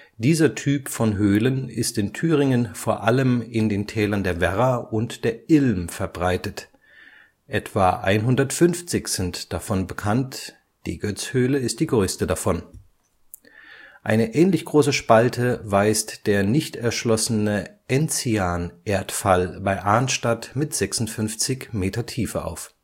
Dieser Typ von Höhlen ist in Thüringen vor allem in den Tälern der Werra und der Ilm verbreitet; etwa 150 sind davon bekannt, die Goetz-Höhle ist die größte davon. Eine ähnlich große Spalte weist der nicht erschlossene Enzianerdfall bei Arnstadt mit 56 Meter Tiefe auf